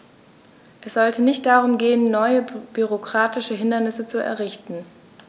Es sollte nicht darum gehen, neue bürokratische Hindernisse zu errichten.